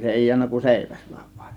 se ei jäänyt kuin seiväs vain